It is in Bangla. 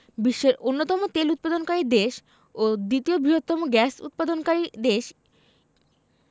বিশ্বের অন্যতম তেল উৎপাদনকারী দেশ ও দ্বিতীয় বৃহত্তম গ্যাস উৎপাদনকারী দেশ